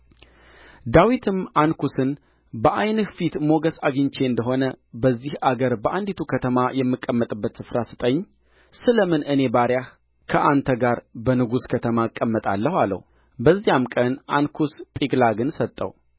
ዳዊትም አንኩስን በዓይንህ ፊት ሞገስ አግኝቼ እንደ ሆነ በዚህ አገር በአንዲቱ ከተማ የምቀመጥበት ስፍራ ስጠኝ ስለ ምን እኔ ባሪያህ ከአንተ ጋር በንጉሥ ከተማ እቀመጣለሁ አለው በዚያም ቀን አንኩስ ጺቅላግን ሰጠው